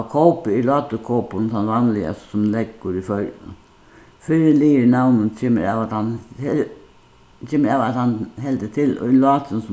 av kópi er láturkópum tann vanligasti sum leggur í føroyum fyrri liður í navninum kemur av at hann kemur av at hann heldur til í látrum sum